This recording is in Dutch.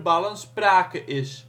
ballen sprake is.